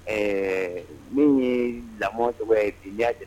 Ɛɛ min ye lamɔ cogoya ye bi n'i y'a jate